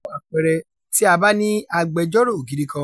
Fún àpẹẹrẹ, tí a bá ní agbẹjọ́rò gidi kan.